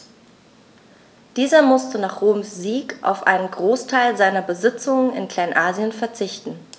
Dieser musste nach Roms Sieg auf einen Großteil seiner Besitzungen in Kleinasien verzichten.